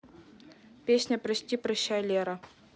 песня прости прощай лера